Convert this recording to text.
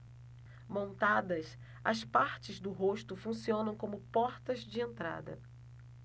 montadas as partes do rosto funcionam como portas de entrada